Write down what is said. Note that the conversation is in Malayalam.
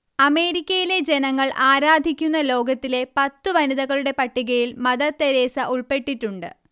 അമേരിക്കയിലെ ജനങ്ങൾ ആരാധിക്കുന്ന ലോകത്തിലെ പത്തു വനിതകളുടെ പട്ടികയിൽ മദർ തെരേസ ഉൾപ്പെട്ടിട്ടുണ്ട്